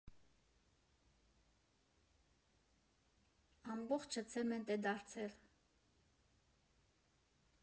Ամբողջը ցեմենտ է դարձել։